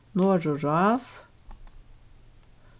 norðurrás